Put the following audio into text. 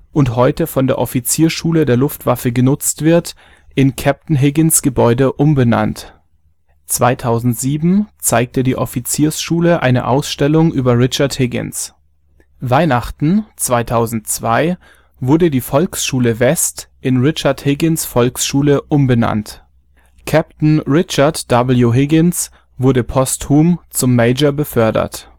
und heute von der Offiziersschule der Luftwaffe genutzt wird, in „ Captain Higgins Gebäude “umbenannt. 2007 zeigte die Offiziersschule eine Ausstellung über Richard Higgins. Weihnachten 2002 wurde die „ Volkschule West “in Richard-Higgins-Volksschule umbenannt. Captain Richard W. Higgins wurde posthum zum Major befördert